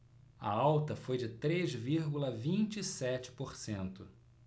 a alta foi de três vírgula vinte e sete por cento